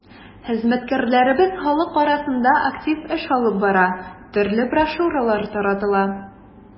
Хезмәткәрләребез халык арасында актив эш алып бара, төрле брошюралар таратыла.